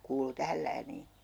kuului tähän lääniin